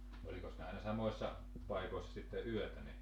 olikos ne aina samoissa paikoissa sitten yötä ne